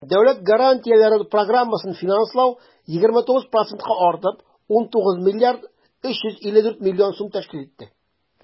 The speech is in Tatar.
Дәүләт гарантияләре программасын финанслау 29 процентка артып, 19 млрд 354 млн сум тәшкил итте.